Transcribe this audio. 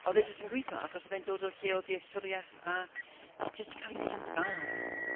Oedd e jyst yn gweithio achos oedd e'n dod o lle o ddealltwriaeth a 'di jyst 'di cael ei wneud yn dda.